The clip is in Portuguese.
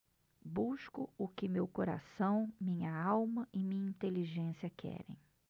busco o que meu coração minha alma e minha inteligência querem